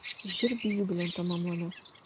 Җыр-бию белән тәмамлана.